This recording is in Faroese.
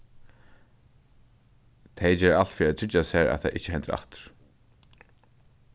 tey gera alt fyri at tryggja sær at tað ikki hendir aftur